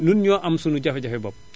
ñun ñoo am suñu jafe-jafe bopp